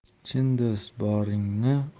chin do'st boringni